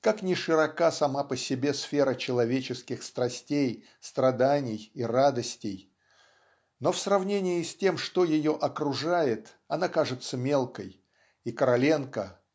Как ни широка сама по себе сфера человеческих страстей страданий и радостей но в сравнении с тем что ее окружает она кажется мелкой и Короленко